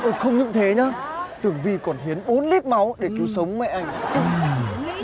không những thế nhớ tường vy còn hiến bốn lít máu để cứu sống mẹ anh